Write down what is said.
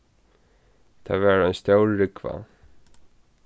tað var ein stór rúgva